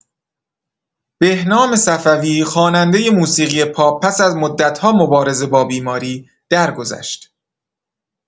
بهنام صفوی خواننده موسیقی پاپ پس از مدت‌ها مبارزه با بیماری، درگذشت.